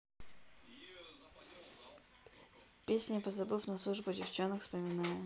песня позабыв на службу девчонок вспоминая